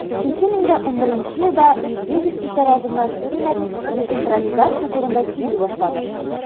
2011 елда медведев китәр алдыннан кинәт децентрализация турында сөйли башлады.